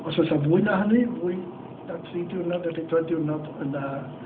Os oes 'na fwy na hynny, fwy na tri diwrnod neu bedwar diwrnod yna...